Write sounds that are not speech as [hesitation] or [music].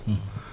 [hesitation] [hesitation]